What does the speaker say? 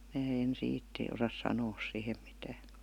minä en siitä - osaa sanoa siihen mitään